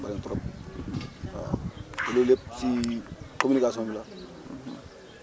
bëri na trop bëri na trop waaw te loolu yëpp si communication bi la